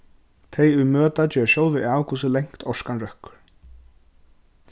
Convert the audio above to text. tey ið møta gera sjálvi av hvussu langt orkan røkkur